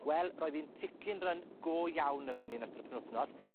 wel roedd 'i'n chicken run go iawn arnon ni yn ystod y penwthnos.